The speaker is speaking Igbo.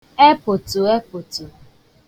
epụ̀tụ̀epụ̀tụ̀